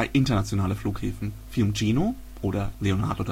internationale Flughäfen, Fiumicino (Leonardo